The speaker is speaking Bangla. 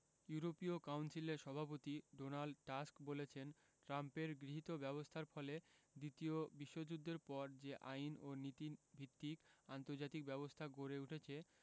ইউরোপীয় কাউন্সিলের সভাপতি ডোনাল্ড টাস্ক বলেছেন ট্রাম্পের গৃহীত ব্যবস্থার ফলে দ্বিতীয় বিশ্বযুদ্ধের পর যে আইন ও নীতিভিত্তিক আন্তর্জাতিক ব্যবস্থা গড়ে উঠেছে